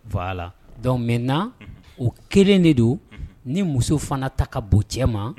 Fa la dɔnku mɛ na o kelen de don ni muso fana ta ka bon cɛ ma